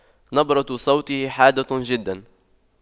نبرة صوته حادة جدا